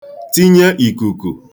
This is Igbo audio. tinye ìkùkù